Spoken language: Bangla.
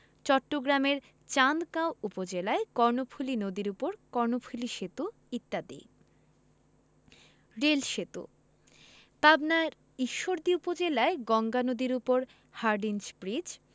চট্টগ্রামের চান্দগাঁও উপজেলায় কর্ণফুলি নদীর উপর কর্ণফুলি সেতু ইত্যাদি রেল সেতুঃ পাবনার ঈশ্বরদী উপজেলায় গঙ্গা নদীর উপর হার্ডিঞ্জ ব্রিজ